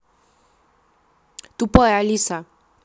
тупая алиса